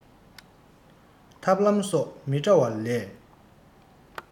ཐབས ལམ སོགས མི འདྲ བ ལས